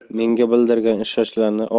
menga bildirgan ishonchlarini